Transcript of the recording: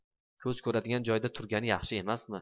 ko'z ko'radigan joyda turgani yaxshi emasmi